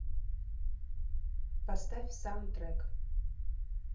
поставь саундтрек